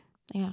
Ja.